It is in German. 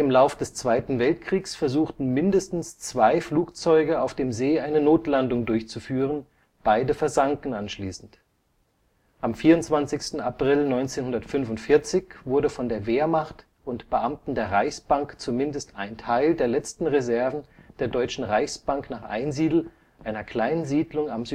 Lauf des Zweiten Weltkriegs versuchten mindestens zwei Flugzeuge auf dem See eine Notlandung durchzuführen, beide versanken anschließend. Am 24. April 1945 wurde von der Wehrmacht und Beamten der Reichsbank zumindest ein Teil der letzten Reserven der Deutschen Reichsbank nach Einsiedl, einer kleinen Siedlung am